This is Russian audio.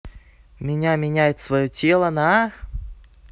меня меняет свое тело на